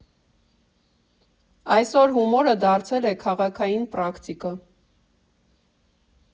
Այսօր հումորը դարձել է քաղաքային պրակտիկա։